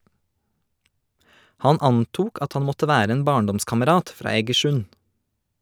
Han antok at han måtte være en barndomskamerat, fra Egersund.